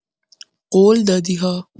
قول دادی‌ها!